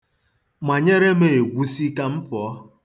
Manyere m egwusi ka m pụọ.